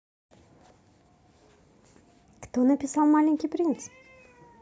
кто написал маленький принц